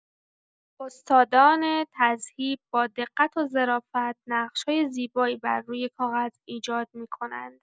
استادان تذهیب با دقت و ظرافت، نقش‌های زیبایی بر روی کاغذ ایجاد می‌کنند.